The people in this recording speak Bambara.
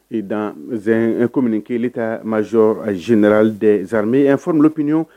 I danz e kɔmi mini keyita tɛ maz zdrli de zaname f dɔpyɲɔgɔn